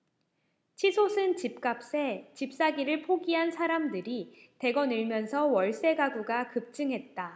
치솟은 집값에 집사기를 포기한 사람들이 대거 늘면서 월세 가구가 급증했다